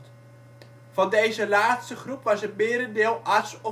Van deze laatste groep was het merendeel arts